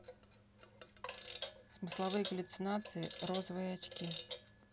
смысловые галлюцинации розовые очки